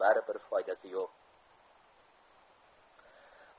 baribir foydasi yo'q